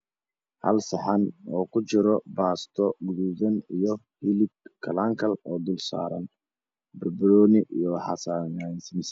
Hal saxan oo ku jara baasto guduudan io hilib kalaankal oo dul saaran banbanooni io yaanyo